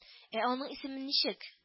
— ә аның исеме ничек